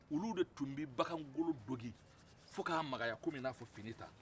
olu de tun bɛ bagan golo dogin fo ka makaya commi i n'a fɔ fini ta